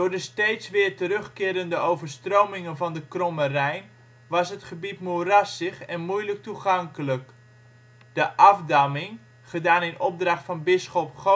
de steeds weer terugkerende overstromingen van de Kromme Rijn was het gebied moerassig en moeilijk toegankelijk. De afdamming, gedaan in opdracht van bisschop